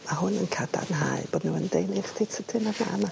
Ma' hwn yn cadarnhau bod n'w yn deulu i chdi tydyn y fam a...